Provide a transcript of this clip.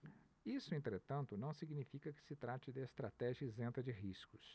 isso entretanto não significa que se trate de estratégia isenta de riscos